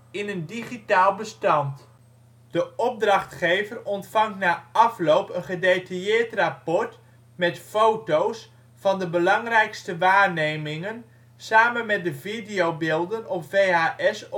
in een digitaal bestand. De opdrachtgever ontvangt na afloop een gedetailleerd rapport met fotos van de belangrijkste waarnemingen samen met de videobeelden op VHS of